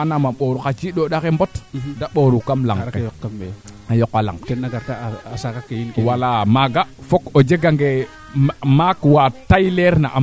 a liima ɗomu refoogu a liima ke liimit ndeetlu waame roogo ndigil no tiig kene i passer na fop liim gonda te